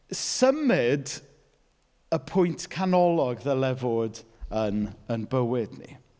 Symud y pwynt canolog ddyle fod yn ein bywyd ni.